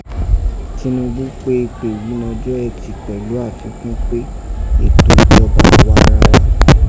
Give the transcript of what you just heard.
Tinubu pe ipe yìí nọjọ́ Eti pẹ̀lú àfikọ́n pé, ètò ìjọba àwa arawa.